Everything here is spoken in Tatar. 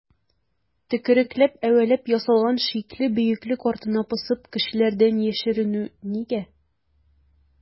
Төкерекләп-әвәләп ясалган шикле бөеклек артына посып кешеләрдән яшеренү нигә?